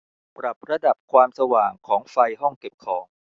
ปรับระดับความสว่างของไฟห้องเก็บของ